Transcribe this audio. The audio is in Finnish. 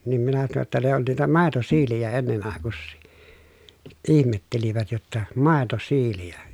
niin minä sanoin jotta ne on niitä maitosiilejä ennen aikuisia ihmettelivät jotta maitosiilejä